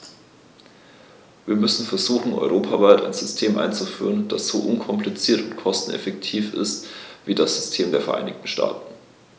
Wir müssen versuchen, europaweit ein System einzuführen, das so unkompliziert und kosteneffektiv ist wie das System der Vereinigten Staaten.